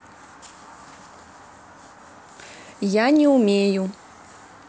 я не умею